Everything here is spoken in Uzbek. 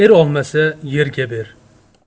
er olmasa yerga ber